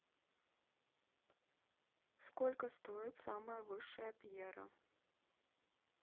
сколько стоит самая высшая пьера